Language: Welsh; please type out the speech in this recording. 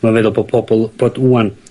ma'n feddwl bo' pobol, bod rŵan